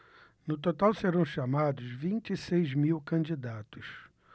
no total serão chamados vinte e seis mil candidatos